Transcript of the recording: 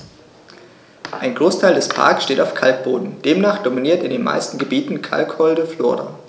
Ein Großteil des Parks steht auf Kalkboden, demnach dominiert in den meisten Gebieten kalkholde Flora.